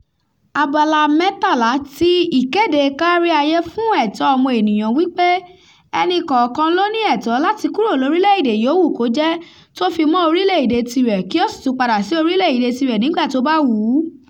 Abala 13 ti Ìkéde Káríayé Fún È̩Tó̩ O̩mo̩nìyàn wípé "E̩nì kọ̀ọ̀kan ló ní ẹ̀tọ́ láti kúrò lórìlẹ̀‐èdè yòówù kó jẹ́, tó fi mọ́ orílẹ̀‐èdè tirẹ̀, kí ó sì tún padà sí orílẹ̀‐èdè tirẹ̀ nígbà tó bá wù ú".